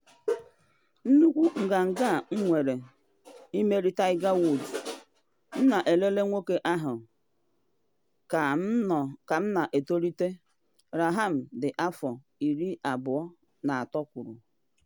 “Nnukwu nganga a m nwere, imeri Tiger Woods, m na elele nwoke ahụ ka m na etolite,” Rahm dị afọ 23 kwuru.